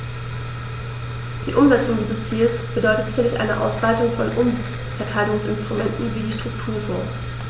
Die Umsetzung dieses Ziels bedeutet sicherlich eine Ausweitung von Umverteilungsinstrumenten wie die Strukturfonds.